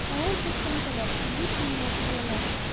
Алар бер тәңкәләп, илле тиенләп җыялар.